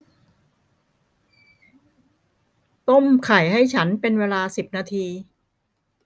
ต้มไข่ให้ฉันเป็นเวลาสิบนาที